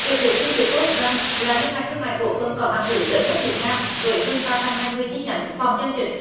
được biết liên việt phớt banh là ngân hàng thương mại cổ phần có mạng lưới lớn nhất việt nam với hơn ba trăm hai mươi chi nhánh phòng giao dịch